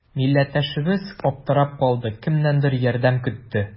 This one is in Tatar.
Милләттәшебез аптырап калды, кемнәндер ярдәм көтте.